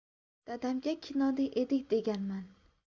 dadamga kinoda edik deganman